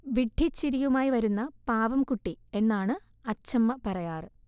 വിഡ്ഢിച്ചിരിയുമായി വരുന്ന പാവംകുട്ടി എന്നാണ് അച്ഛമ്മ പറയാറ്